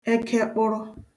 ekekpụrụ